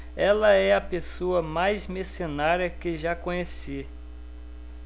ela é a pessoa mais mercenária que já conheci